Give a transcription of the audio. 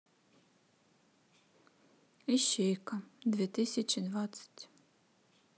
ищейка две тысячи двадцать